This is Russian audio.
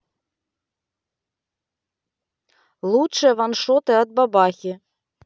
лучшие ваншоты от бабахи